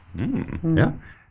ja.